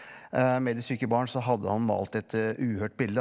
med Det syke barn så hadde han malt et uhørt bilde.